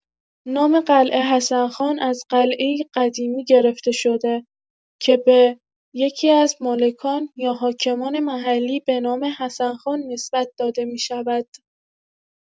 نام قلعه حسن‌خان از قلعه‌ای قدیمی گرفته شده که به یکی‌از مالکان یا حاکمان محلی به نام حسن‌خان نسبت داده می‌شود.